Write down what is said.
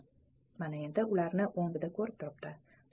mana endi ularni o'ngida ko'rib turibdi